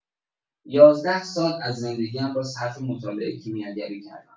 یازده سال از زندگی‌ام را صرف مطالعه کیمیاگری کردم.